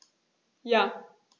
Ja.